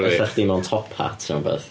Ella chdi mewn top hat neu rwbath.